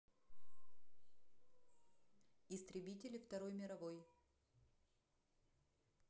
истребители второй мировой